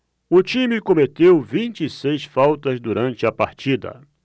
o time cometeu vinte e seis faltas durante a partida